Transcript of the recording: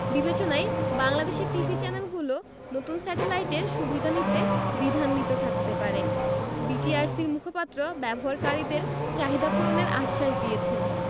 বিবেচনায় বাংলাদেশের টিভি চ্যানেলগুলো নতুন স্যাটেলাইটের সুবিধা নিতে দ্বিধান্বিত থাকতে পারে বিটিআরসির মুখপাত্র ব্যবহারকারীদের চাহিদা পূরণের আশ্বাস দিয়েছেন